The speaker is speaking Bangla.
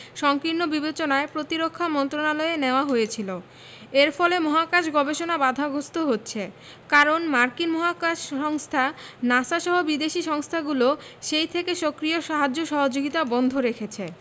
সংকীর্ণ বিবেচনায় প্রতিরক্ষা মন্ত্রণালয়ে নেওয়া হয়েছিল এর ফলে মহাকাশ গবেষণা বাধাগ্রস্ত হচ্ছে কারণ মার্কিন মহাকাশ সংস্থা নাসা সহ বিদেশি সংস্থাগুলো সেই থেকে সক্রিয় সাহায্য সহযোগিতা বন্ধ রেখেছে